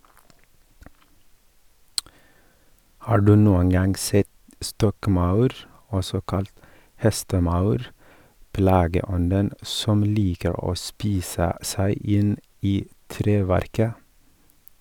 Har du noen gang sett stokkmaur, også kalt hestemaur, plageånden som liker å spise seg inn i treverket?